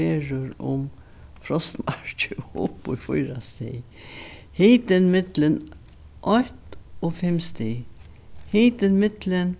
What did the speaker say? verður um frostmarkið og upp í fýra stig hitin millum eitt og fimm stig hitin millum